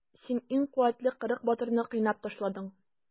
Син иң куәтле кырык батырны кыйнап ташладың.